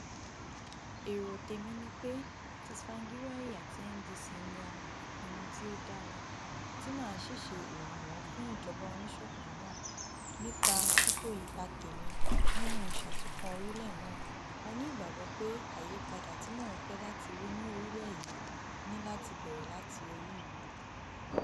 Èrò tèmi ni pé Tsvangirai àti MDC yan ìpinnu tí ó dára tí màá sì ṣe ìrànwọ́ fún ìjọba oníṣọ̀kan náà nípa kíkó ipa tèmi nínú ìṣàtúnkọ́ orílẹ̀ náà, mo ní ìgbàgbọ́ pé àyípadà tí mò ń fẹ́ láti rí ní orílẹ̀ yìí ní láti bẹ́rẹ́ láti orí mi.